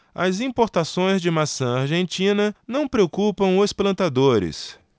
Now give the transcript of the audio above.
as importações de maçã argentina não preocupam os plantadores